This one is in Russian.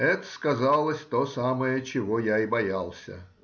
— это сказалось то самое, чего я и боялся.